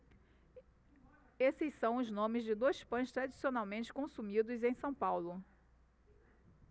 esses são os nomes de dois pães tradicionalmente consumidos em são paulo